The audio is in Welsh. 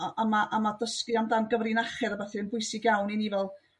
a a ma' dysgu am dan gyfrinachedd a ballu yn bwysig iawn i ni fel